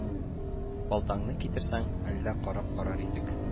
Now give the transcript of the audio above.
Балтаңны китерсәң, әллә карап карар идек